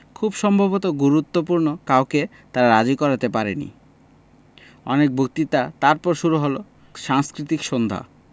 খুব সম্ভব গুরুত্বপূর্ণ কাউকে তারা রাজি করাতে পারেনি অনেক বক্তৃতা তার পর শুরু হল সাংস্কৃতিক সন্ধ্যা